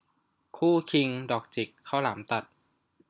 คู่คิงดอกจิกข้าวหลามตัด